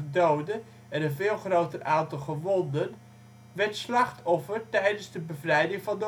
doden en een veel groter aantal gewonden, werd slachtoffer tijdens de bevrijding van